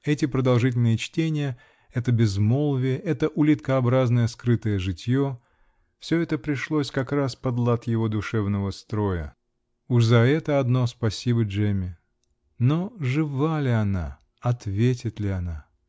Эти продолжительные чтения, это безмолвие, это улиткообразное, скрытое житье -- все это пришлось как раз под лад его душевного строя: уж за это за одно спасибо Джемме ! Но жива ли она? Ответит ли она?